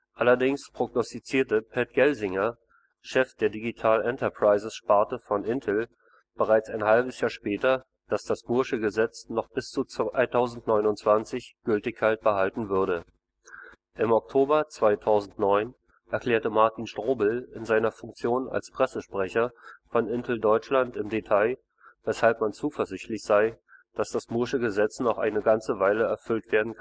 Allerdings prognostizierte Pat Gelsinger, Chef der Digital-Enterprise-Sparte von Intel, bereits ein halbes Jahr später, dass das mooresche Gesetz noch bis 2029 Gültigkeit behalten würde. Im Oktober 2009 erklärte Martin Strobel in seiner Funktion als Pressesprecher von Intel Deutschland im Detail, weshalb man zuversichtlich sei, „ das mooresche Gesetz noch eine ganze Weile erfüllen zu können